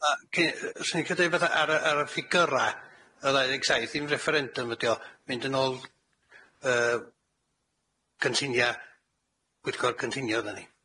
A cyn- yy 'swn i'n 'icio deud wbeth a- ar y ar y ffigyra', y ddau ddeg saith. Dim referendum ydi o, mynd yn ôl yy cynllunia' pwyllgor cynllunio fyddan ni.